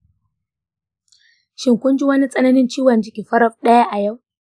shin kun ji wani tsananin ciwon ciki farat ɗaya a yau?